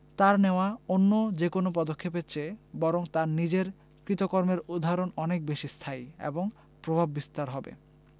তাঁর নেওয়া অন্য যেকোনো পদক্ষেপের চেয়ে বরং তাঁর নিজের কৃতকর্মের উদাহরণ অনেক বেশি স্থায়ী এবং প্রভাববিস্তারী হবে